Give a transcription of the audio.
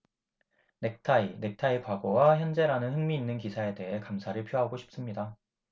넥타이 넥타이 과거와 현재라는 흥미 있는 기사에 대해 감사를 표하고 싶습니다